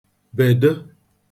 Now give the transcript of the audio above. bèdo